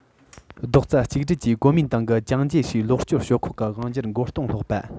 རྡོག རྩ གཅིག སྒྲིལ གྱིས གོ མིན ཏང གི ཅང ཅེ ཧྲིའི ལོག སྤྱོད ཕྱོགས ཁག གི དབང སྒྱུར མགོ རྟིང བསློགས པ